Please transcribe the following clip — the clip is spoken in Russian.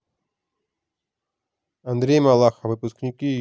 андрей малахов выпуски июля